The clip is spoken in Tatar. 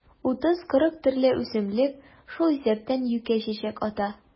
30-40 төрле үсемлек, шул исәптән юкә чәчәк ата.